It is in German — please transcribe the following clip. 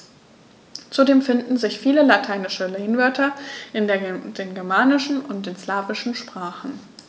Zudem finden sich viele lateinische Lehnwörter in den germanischen und den slawischen Sprachen.